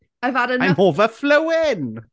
I've had enough... I'm overflowing.